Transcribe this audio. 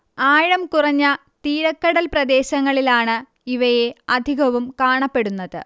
ആഴം കുറഞ്ഞ തീരക്കടൽ പ്രദേശങ്ങളിലാണ് ഇവയെ അധികവും കാണപ്പെടുന്നത്